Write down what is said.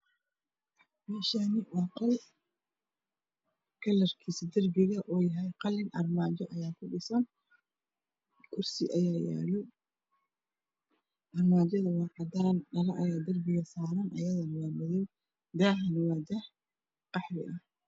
Meeshaan waa qol kalarkiisa darbiga waa qalin. Armaajo ayaa kudhisan, kursi ayaa yaalo. Armaajaduna waa cadaan, dhalo ayaa darbiga saaran oo madow ah. Daahana waa qaxwi.